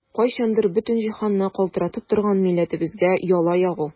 Кайчандыр бөтен җиһанны калтыратып торган милләтебезгә яла ягу!